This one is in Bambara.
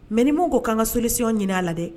Mais ni mimu ko k'an ka solution ɲinin la dɛ